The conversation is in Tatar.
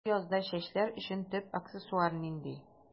Бу язда чәчләр өчен төп аксессуар нинди?